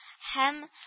Һәм